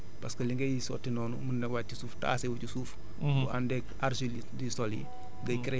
maanaam dindi zone de tassement yi parce que li ngay sotti noonu mun na wàcc suuf tassé wu ci suuf